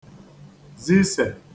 zise